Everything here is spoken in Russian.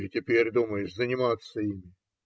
- И теперь думаешь заниматься ими?